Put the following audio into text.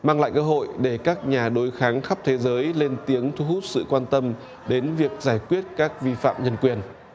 mang lại cơ hội để các nhà đối kháng khắp thế giới lên tiếng thu hút sự quan tâm đến việc giải quyết các vi phạm nhân quyền